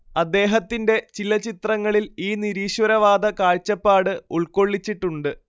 അദ്ദേഹത്തിന്റെ ചില ചിത്രങ്ങളിൽ ഈ നിരീശ്വരവാദ കാഴ്ചപ്പാട് ഉൾക്കൊള്ളിച്ചിട്ടുണ്ട്